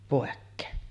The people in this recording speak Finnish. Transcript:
pois